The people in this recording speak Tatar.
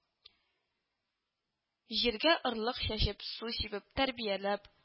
Җиргә орлык чәчеп, су сибеп, тәрбияләп